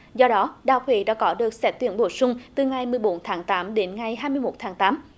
do đó đại học huế đã có đợt xét tuyển bổ sung từ ngày mười bốn tháng tám đến ngày hai mươi mốt tháng tám